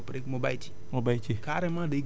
ba ci at bi ci topp rek mu bay ci